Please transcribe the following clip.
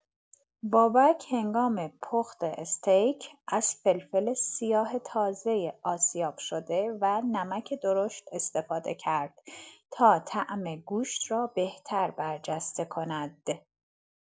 بابک هنگام پخت استیک، از فلفل سیاه تازه آسیاب‌شده و نمک درشت استفاده کرد تا طعم گوشت را بهتر برجسته کند.